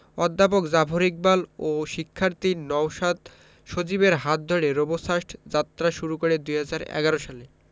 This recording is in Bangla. অধ্যাপক জাফর ইকবাল ও শিক্ষার্থী নওশাদ সজীবের হাত ধরে রোবোসাস্ট যাত্রা শুরু করে ২০১১ সালে